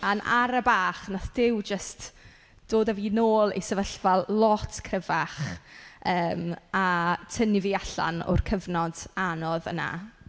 A'n ara bach wnaeth Duw jyst dod â fi nôl i sefyllfa lot cryfach yym a tynnu fi allan o'r cyfnod anodd yna.